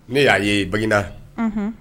Ne y'a ye bangiida, unhun.